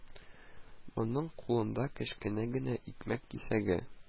Моның кулында кечкенә генә икмәк кисәге